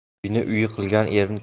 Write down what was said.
uyni uy qilgan erning